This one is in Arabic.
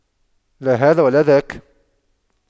لا هذا ولا ذاك